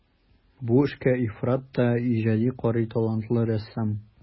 Бу эшкә ифрат та иҗади карый талантлы рәссам.